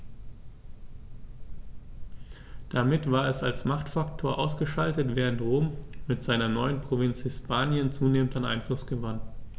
Damit war es als Machtfaktor ausgeschaltet, während Rom mit seiner neuen Provinz Hispanien zunehmend an Einfluss gewann.